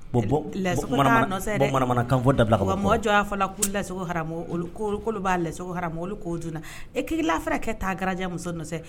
Bonkan fɔ dabila ka mɔgɔ jɔ fa la la kolo b'a la ko jna e hakilila fana ka taa gari muso nɔfɛ